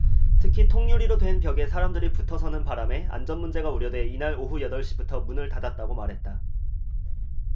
특히 통유리로 된 벽에 사람들이 붙어 서는 바람에 안전 문제가 우려돼 이날 오후 여덟 시부터 문을 닫았다고 말했다